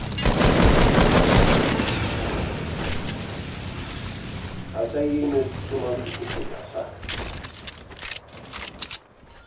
hann segði ymiskt sum hann ikki skuldi havt sagt